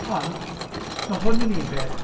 Ond, ma' hwn yn un peth.